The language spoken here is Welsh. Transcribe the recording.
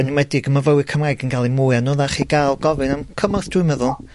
yn enwedig y myfyrwyr Cymraeg yn ca'l 'i'n mwy anoddacj ga'l gofyn am cymorth d wi'n meddwl.